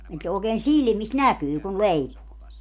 että se oikein silmissä näkyy kun leipoo